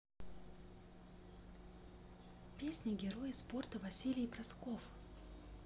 песня герои спорта василий просков